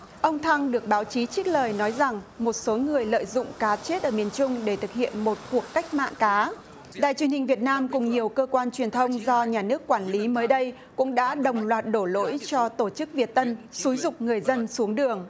ông thăng được báo chí trích lời nói rằng một số người lợi dụng cá chết ở miền trung để thực hiện một cuộc cách mạng cá đài truyền hình việt nam cùng nhiều cơ quan truyền thông do nhà nước quản lý mới đây cũng đã đồng loạt đổ lỗi cho tổ chức việt tân xúi giục người dân xuống đường